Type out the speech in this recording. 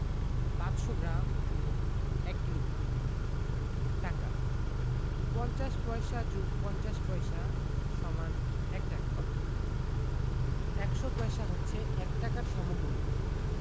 ৫০০ gram ও ১ kilogram টাকাঃ ৫০ পয়সা + ৫০ পয়স = ১ টাকা ১০০ পয়সা হচ্ছে ১ টাকার সমমূল্যের